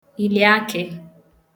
ìlìakị